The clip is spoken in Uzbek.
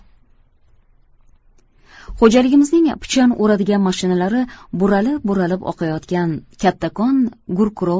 xo'jaligimizning pichan o'radigan mashinalari buralib buralib oqayotgan kattakon gurkurov